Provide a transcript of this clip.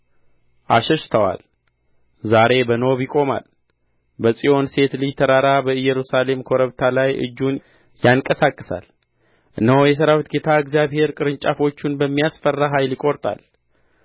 አሽሽተዋል ዛሬ በኖብ ይቆማል በጽዮን ሴት ልጅ ተራራ በኢየሩሳሌም ኮረብታ ላይ እጁን ያንቀሳቅሳል እነሆ የሠራዊት ጌታ እግዚአብሔር ቅርንጫፎቹን በሚያስፈራ ኃይል ይቈርጣል